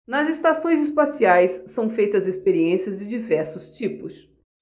nas estações espaciais são feitas experiências de diversos tipos